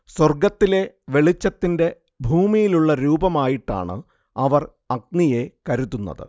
സ്വർഗത്തിലെ വെളിച്ചത്തിന്റെ ഭൂമിയിലുള്ള രൂപമായിട്ടാണ് അവർ അഗ്നിയെ കരുതുന്നത്